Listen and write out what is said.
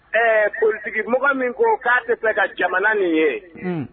Ɛɛ politique mɔgɔ min ko k'a tɛ fɛ ka jamana in ye, un